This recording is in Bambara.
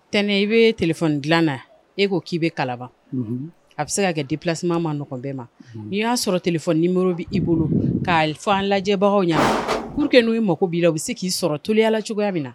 Tɛnɛn i bɛ téléphone dilan na, e ko k'i bɛ Kalaban, a bɛ se ka kɛ déplacement man nɔgɔn bɛɛ ma, n'i y'a sɔrɔ téléphne numéro bɛ i bolo k'a fɔ an lajɛbagaw ɲɛna, pour que n'u mago b'i la u bɛ se k'i sɔrɔ teliyala cogoya min na